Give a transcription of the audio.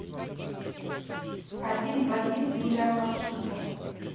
один в один юлия паршута